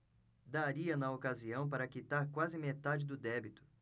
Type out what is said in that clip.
daria na ocasião para quitar quase metade do débito